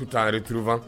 Futa taare turuban